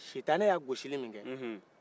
sitanɛ y'a gosili min kɛ nhun hun